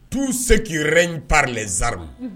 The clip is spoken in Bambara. Tuu se k'i yɛrɛ in parilzarime